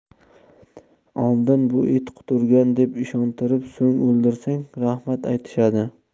oldin bu it quturgan deb ishontirib so'ng o'ldirsang rahmat aytishadi